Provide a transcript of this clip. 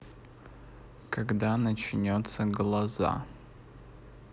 когда начнется глаза